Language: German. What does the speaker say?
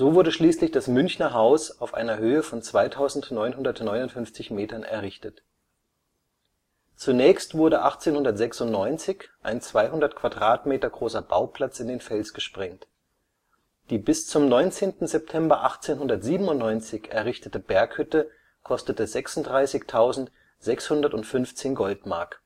wurde schließlich das Münchner Haus (2959 m) errichtet. Zunächst wurde 1896 ein 200 Quadratmeter großer Bauplatz in den Fels gesprengt. Die bis zum 19. September 1897 errichtete Berghütte kostete 36.615 Goldmark